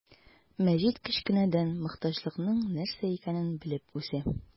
Мәҗит кечкенәдән мохтаҗлыкның нәрсә икәнен белеп үсә.